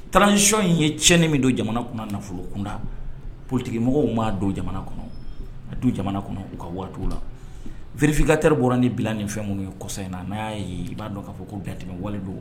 Transition in ye tiɲɛni min don jamana kun nafolo kunda politique mɔgɔw m'a don jamana kɔnɔ, ma don jamana kɔnɔ, u ka waati la vérificateur bɔra ni bilan nin fɛn minnu ye kɔsa in na n'a y'a ye, i b'a dɔn k'a fɔ ko da tɛmɛ don.